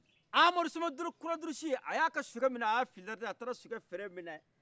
amadu samakɔrɔ durusi aya ka sokɛ minɛ aya filerdi a taara sokɛ frɛn minɛ